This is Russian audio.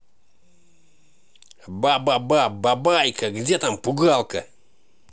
ба ба ба бабайка где там пугалка